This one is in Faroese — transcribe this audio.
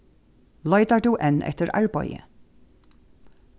leitar tú enn eftir arbeiði